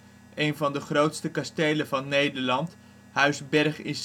van de grootste kastelen van Nederland, Huis Bergh in